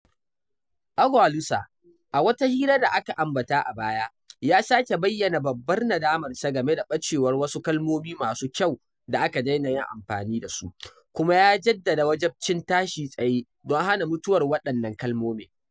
Agualusa, a wata hira da aka ambata a baya, ya sake bayyana “babbar nadamarsa game da ɓacewar wasu kalmomi masu kyau da aka daina yin amfani dasu" kuma ya jaddada wajibcin “tashi tsaye don hana mutuwar waɗannan kalmomin.”